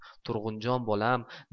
turg'unjon bolam